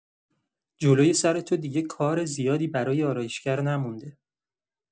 جلوی سر تو دیگه کار زیادی برای آرایشگر نمونده.